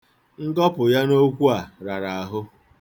Ngọpụ ya n'okwu a rara ahụ.